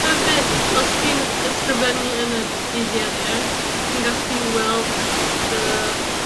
Hefyd... Ma'n cŵl. ...os ti'n ysgrifennu yn y dyddiadur ti'n gallu weld dy